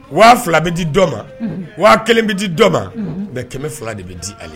Waa fila bɛ di dɔ ma waa kelen bɛ di dɔ ma mɛ kɛmɛ fila de bɛ di ale